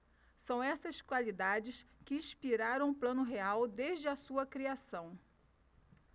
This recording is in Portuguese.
são essas qualidades que inspiraram o plano real desde a sua criação